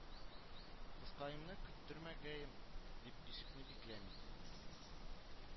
Кызкаемны көттермәгәем дип ишекне бикләми киттем